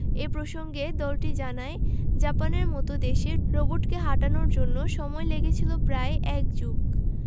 এ প্রসঙ্গে দলটি জানায় জাপানের মতো দেশে রোবটকে হাঁটানোর জন্য সময় লেগেছিল প্রায় এক যুগ